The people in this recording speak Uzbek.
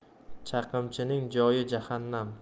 chaqimchining joyi jahannam